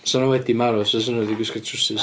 'Sen nhw wedi marw os fysen nhw 'di gwisgo'r trowsus.